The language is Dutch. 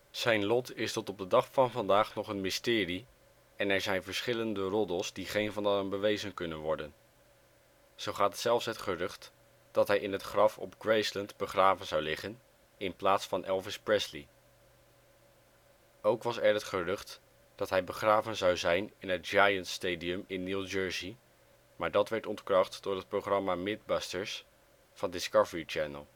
Zijn lot is tot op de dag van vandaag nog een mysterie en er zijn verschillende roddels die geen van allen bewezen konden worden. Zo gaat zelfs het gerucht dat hij in het graf op Graceland begraven zou liggen, in plaats van Elvis Presley. Ook was er het gerucht dat hij begraven zou zijn in het Giants Stadium in New Jersey, maar dat werd ontkracht door het programma " MythBusters " van Discovery Channel